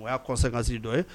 O y'a conséquence dɔ ye